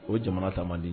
O jamana ta man di